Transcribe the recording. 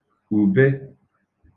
ùbe